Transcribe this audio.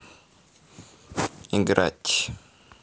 играть в другие игры